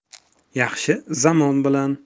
yaxshi zamon bilan